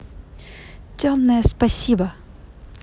темное спасибо